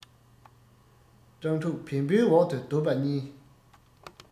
སྤྲང ཕྲུག བེན པོའི འོག ཏུ སྡོད པ གཉིས